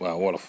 waaw wolof